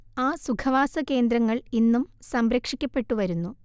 ആ സുഖവാസകേന്ദ്രങ്ങൾ ഇന്നും സംരക്ഷിക്കപ്പെട്ടു വരുന്നു